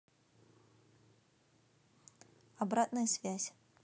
обратная связь